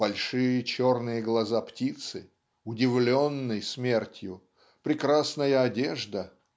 большие черные глаза птицы, "удивленной" смертью, прекрасная одежда